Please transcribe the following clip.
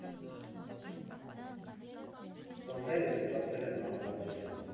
Ծնվել ու մեծացել եմ Բանգլադեշում։